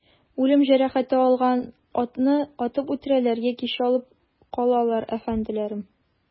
Үлем җәрәхәте алган атны атып үтерәләр яки чалып калалар, әфәнделәрем.